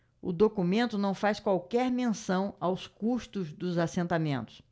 o documento não faz qualquer menção aos custos dos assentamentos